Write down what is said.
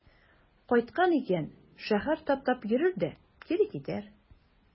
Кайткан икән, шәһәр таптап йөрер дә кире китәр.